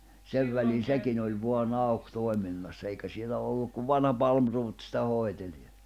sen välin sekin oli vain auki toiminnassa eikä siellä ollut kuin vanha Palmroth sitä hoiteli ja